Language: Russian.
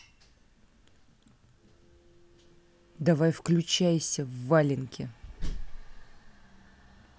давай выключайся в валенки